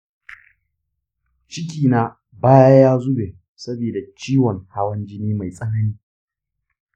ciki na baya ya zube saboda ciwon hawan jini mai tsanini.